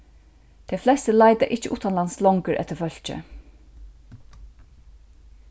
tey flestu leita ikki uttanlands longur eftir fólki